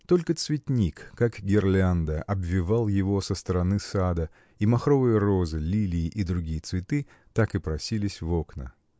Только цветник, как гирлянда, обвивал его со стороны сада, и махровые розы, далии и другие цветы так и просились в окна.